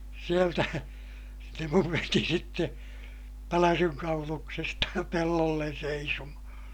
sieltä se minun veti sitten pälsyn kauluksesta pellolle seisomaan